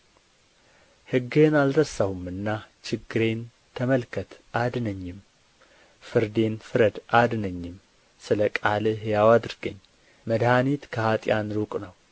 ሕግህን አልረሳሁምና ችግሬን ተመልከት አድነኝም ፍርዴን ፍረድ አድነኝም ስለ ቃልህ ሕያው አድርገኝ መድኃኒት ከኅጥኣን ሩቅ ነው